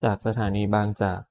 จากสถานีบางจาก